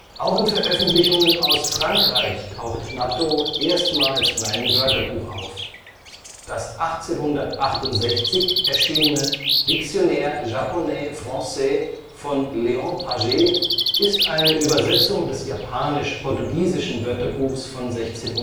Auch in Veröffentlichungen aus Frankreich taucht Nattō erstmals in einem Wörterbuch auf, das 1868 erschienene Dictionnaire japonais-français von Léon Pagés ist eine Übersetzung des japanisch-portugiesischen Wörterbuchs von 1603